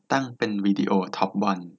ตั้งเป็นวิดีโอทอปวัน